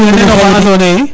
a fiya nen oxa ando naye